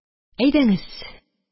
Әйдәңез